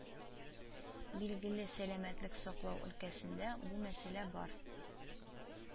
Билгеле сәламәтлек саклау өлкәсендә бу мәсәлә бар